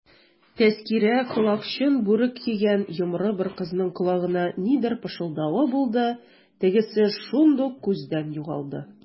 Тәзкирә колакчын бүрек кигән йомры бер кызның колагына нидер пышылдавы булды, тегесе шундук күздән югалды.